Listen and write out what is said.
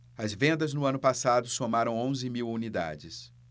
as vendas no ano passado somaram onze mil unidades